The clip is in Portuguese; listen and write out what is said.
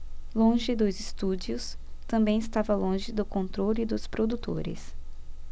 longe dos estúdios também estava longe do controle dos produtores